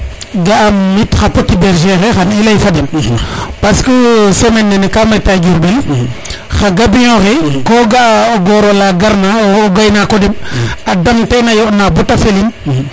ga a it xa petit berger xe xa i ley fo den parce que semaine nene kam reta Diourbel xa gambiyo xe ko ga a o goro la gar na o gay nako demb a dam ten a yoɗ na bata felin